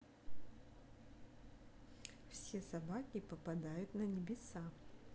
все собаки попадают на небеса